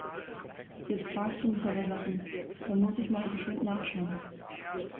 Jetzt fragst du mich aber Sachen. Da muss ich mal geschwind nachschauen.